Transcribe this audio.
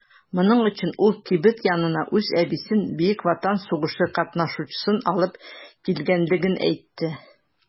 Моның өчен ул кибет янына үз әбисен - Бөек Ватан сугышы катнашучысын алып килгәнлеген әйтте.